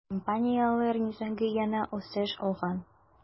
Компанияләр низагы яңа үсеш алган.